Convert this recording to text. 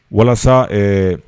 Walasa ɛɛ